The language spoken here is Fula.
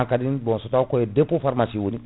hankkadine bon so tawi koye dépôt pharmacie woni